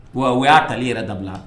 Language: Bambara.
Wa u y'a tali yɛrɛ dabila